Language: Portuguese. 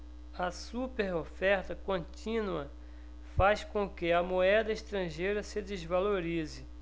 a superoferta contínua faz com que a moeda estrangeira se desvalorize